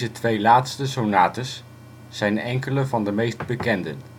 twee laatste sonates zijn enkele van de meest bekende